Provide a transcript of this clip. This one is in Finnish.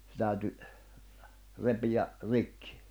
se täytyi repiä rikki